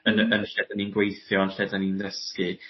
yn y yn y lle 'dyn ni'n gweithio yn lle 'dyn ni'n ddysgu.